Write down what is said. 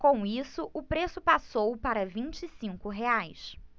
com isso o preço passou para vinte e cinco reais